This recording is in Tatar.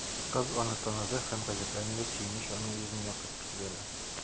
Кыз аны таныды һәм гаҗәпләнүле сөенеч аның йөзен яктыртып җибәрде.